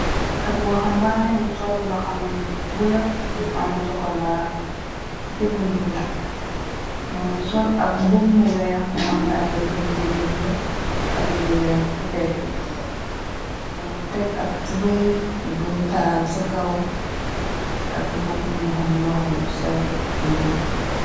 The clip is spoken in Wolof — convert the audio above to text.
Ab waxambaane bu sol mbaxana mu bula mu am sokolaa te buntu ba moo ngi sol ak mbub mu weex mu am ay rëdërëtu yu bula ak yu weex ci pekk bi moo nga teg ab tubey bu doom taal ca kaw ak mbub mu xam loxeyu sew yu bula.